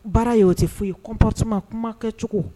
Baara in o tɛ fosi ye comportement kumakɛcogo